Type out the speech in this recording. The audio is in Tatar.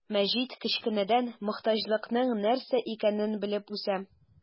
Мәҗит кечкенәдән мохтаҗлыкның нәрсә икәнен белеп үсә.